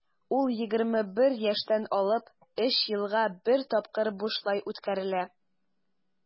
Ул 21 яшьтән алып 3 елга бер тапкыр бушлай үткәрелә.